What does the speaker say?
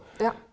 ja.